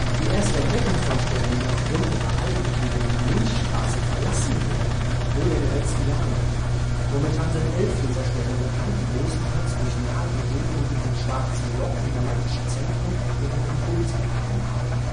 Die erste Entdeckung von Sternen, die aufgrund ihrer Eigenbewegung die Milchstraße verlassen werden, wurde in den letzten Jahren gemacht. Momentan sind elf dieser Sterne bekannt, die großteils durch nahe Begegnungen mit dem Schwarzen Loch im galaktischen Zentrum ihren Impuls bekommen haben